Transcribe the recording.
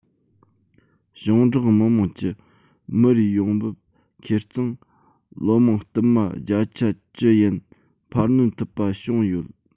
ཞིང འབྲོག མི དམངས ཀྱི མི རེའི ཡོང འབབ ཁེར གཙང ལོ མང བསྟུད མ བརྒྱ ཆ བཅུ ཡན འཕར སྣོན ཐུབ པ བྱུང ཡོད